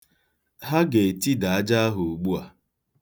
Ha ga-etida aja ahụ ugbua.